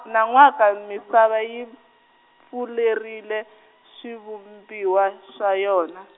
nan'waka misava, yi fulerile swivumbiwa swa yona.